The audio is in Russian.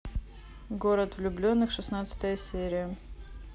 город влюбленных шестнадцатая серия